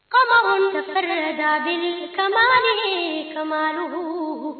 Faamakun bɛ da ka kumadugu